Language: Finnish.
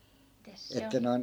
mitäs se oli